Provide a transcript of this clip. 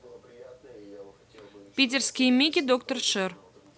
питерские миги доктор шер